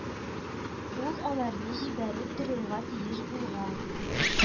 Ул аларны җибәреп торырга тиеш булган